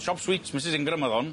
Siop sweets Misys Ingram o'dd 'on.